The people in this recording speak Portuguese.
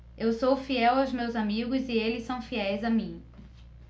eu sou fiel aos meus amigos e eles são fiéis a mim